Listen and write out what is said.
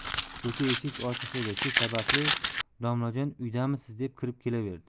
ko'cha eshik ochiq edi shu sababli domlajon uydamisiz deb kirib kelaverdi